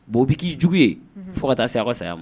Bon bɛ k'i jugu ye fo ka taa se aw ka saya ma